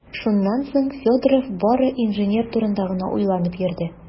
Шуннан соң Федоров бары инженер турында гына уйланып йөрде.